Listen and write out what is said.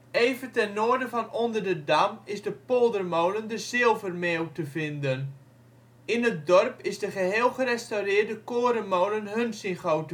Even ten noorden van Onderdendam is de poldermolen De Zilvermeeuw te vinden. In het dorp is de geheel gerestaureerde korenmolen Hunsingo